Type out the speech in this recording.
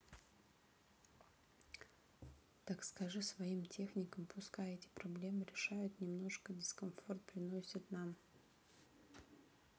так скажи своим техникам пускай эти проблемы решают немножко дискомфорт приносят нам